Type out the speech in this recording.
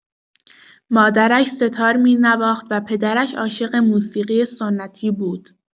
مادرش سه‌تار می‌نواخت و پدرش عاشق موسیقی سنتی بود.